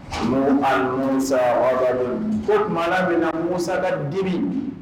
Mais asa ko tuma bɛna musosa ka dibi